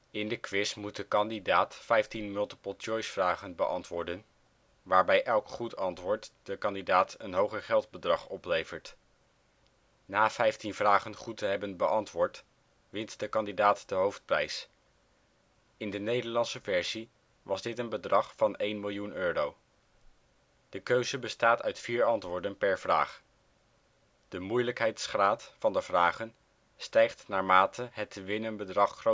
In de quiz moet de kandidaat 15 multiplechoicevragen beantwoorden, waarbij elk goed antwoord de kandidaat een hoger geldbedrag oplevert. Na 15 vragen goed te hebben beantwoord wint de kandidaat de hoofdprijs. In de Nederlandse versie was dit een bedrag van 1 miljoen euro. De keuze bestaat uit vier antwoorden per vraag. De moeilijkheidsgraad van de vragen stijgt naarmate het te winnen bedrag